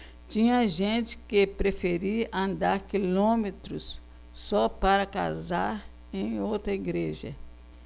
tinha gente que preferia andar quilômetros só para casar em outra igreja